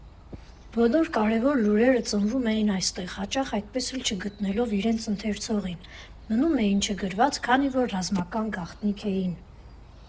Բոլոր կարևոր լուրերը ծնվում էին այստեղ հաճախ այդպես էլ չգտնելով իրենց ընթերցողին՝ մնում էին չգրված, քանի որ ռազմական գաղտնիք էին։